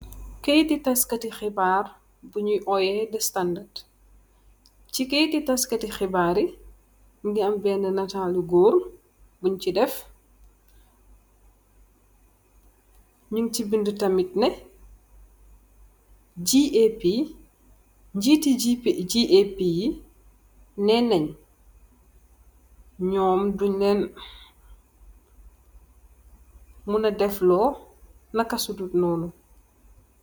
Keyti tass kati xibaar bi nyui oyeh de standard ci keyti taskati xibaari mogi am benn natalu góor buñ ci def nyung si binda tamit GAP njiiti GAP yi neenañ ñoom duñlen muna def loo na kasudu noonu.